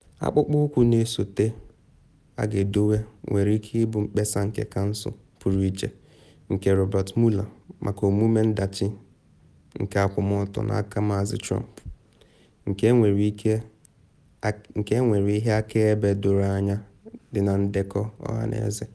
Akpụkpụ ụkwụ na esote a ga-edowe nwere ike ịbụ mkpesa nke kansụl pụrụ iche nke Robert Mueller maka ọmụme ndachi nke akwụmọtọ n’aka Maazị Trump, nke enwere ihe akaebe doro anya dị na ndekọ ọhaneze.